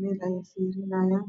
meel ayey fiirinayaan